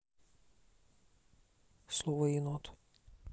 слово енот